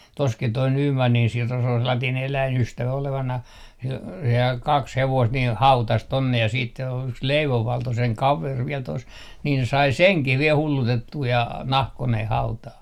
tuossakin tuo Nymanin Siro se oli sellainen eläinystävä olevinaan sillä sehän kaksi hevosta niin hautasi tuonne ja sitten se on yksi Leivon Valto sen kaveri vielä tuossa niin se sai senkin vielä hullutettua ja nahkoineen hautaan